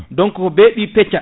donc ko beyiɗi pecca